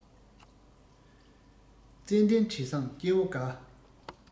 ཙན དན དྲི བཟང སྐྱེ བོ དགའ